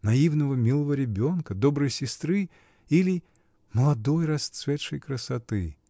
наивного, милого ребенка, доброй сестры или. молодой, расцветшей красоты?